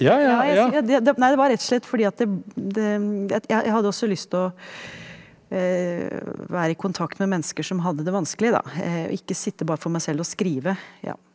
nei det var rett og slett fordi at det det jeg jeg hadde også lyst til å være i kontakt med mennesker som hadde det vanskelig da og ikke sitte bare for meg selv og skrive ja.